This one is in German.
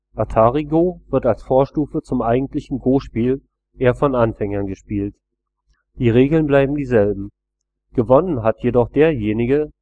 Atari-Go wird als Vorstufe zum eigentlichen Go-Spiel eher von Anfängern gespielt. Die Regeln bleiben dieselben. Gewonnen hat jedoch derjenige